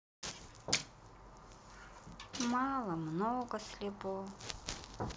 мало много слепо